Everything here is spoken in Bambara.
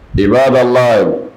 Jeliba b'ada layi